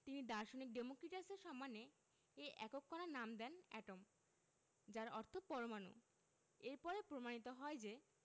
তিনি দার্শনিক ডেমোক্রিটাসের সম্মানে এ একক কণার নাম দেন এটম যার অর্থ পরমাণু এর পরে প্রমাণিত হয় যে